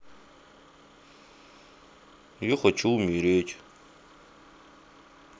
я хочу умереть